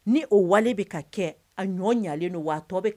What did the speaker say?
Ni o wale bɛ ka kɛ a ɲɔ ɲalen don waatɔ bɛ